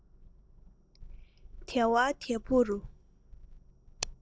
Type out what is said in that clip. དལ བ དལ བུར